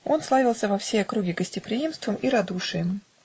Он славился во всей округе гостеприимством и радушием